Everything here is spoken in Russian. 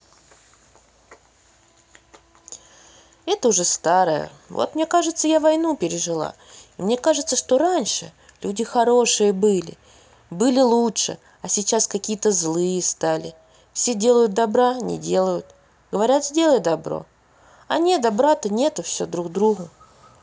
это уже старая вот мне кажется я войну пережила и мне кажется что раньше люди хорошие были лучше а сейчас какие то злые стали все делают добра не делают говорят сделай добро а нет да брата нету все друг другу